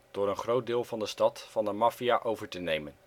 door een groot deel van de stad van de maffia over te nemen